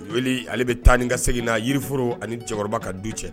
Ale bɛ taa ni ka segin na yiriforo ani cɛkɔrɔba ka du cɛ.